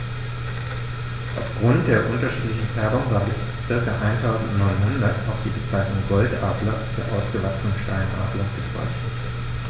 Auf Grund der unterschiedlichen Färbung war bis ca. 1900 auch die Bezeichnung Goldadler für ausgewachsene Steinadler gebräuchlich.